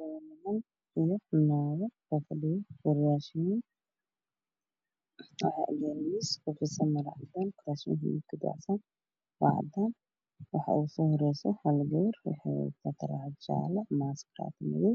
Waa niman iyo naago kufadhiyo kuraasman waxaa agyaalo miis kufidsan maro cadaan ah, kuraastu waa cadaan. Waxaa ugu soo horeyso gabar waxay wadataa taraaxad jaale